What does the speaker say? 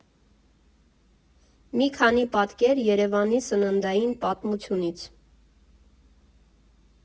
Մի քանի պատկեր Երևանի սննդային պատմությունից։